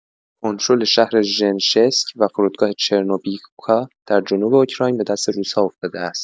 کنترل شهر ژنشسک و فرودگاه چرنوبیوکا در جنوب اوکراین به دست روس‌ها افتاده است.